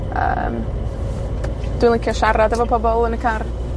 Yym. Dwi licio siarad efo pobol yn y car.